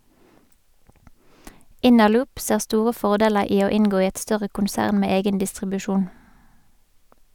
Innerloop ser store fordeler i å inngå i et større konsern med egen distribusjon.